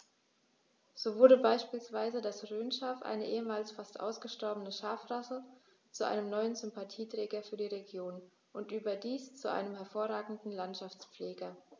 So wurde beispielsweise das Rhönschaf, eine ehemals fast ausgestorbene Schafrasse, zu einem neuen Sympathieträger für die Region – und überdies zu einem hervorragenden Landschaftspfleger.